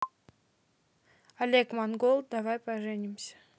олег монгол давай поженимся